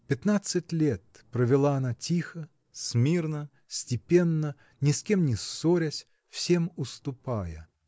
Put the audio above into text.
Пятнадцать лет провела она тихо, смиренно, степенно, ни с кем не ссорясь, всем уступая.